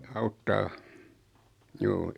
auttaa juu